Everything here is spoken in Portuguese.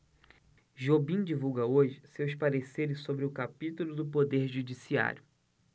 jobim divulga hoje seus pareceres sobre o capítulo do poder judiciário